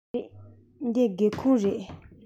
མ རེད འདི སྒེའུ ཁུང རེད